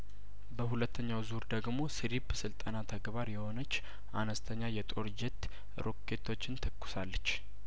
በሁለተኛው ዙር ደግሞ ስሪኘ ስልጠና ተግባር የሆነች አነስተኛ የጦር ጄት ሮኬቶችን ተኩሳለች